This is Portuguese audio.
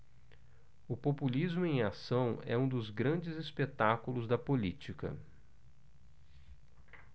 o populismo em ação é um dos grandes espetáculos da política